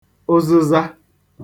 ụzụza